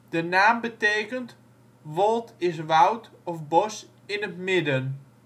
De naam betekent: wold (= woud, bos) in het midden